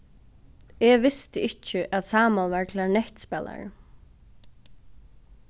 eg visti ikki at sámal var klarinettspælari